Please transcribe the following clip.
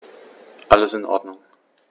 Alles in Ordnung.